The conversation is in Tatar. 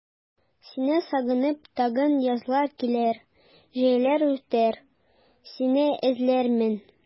Сине сагынып тагын язлар килер, җәйләр үтәр, сине эзләрмен.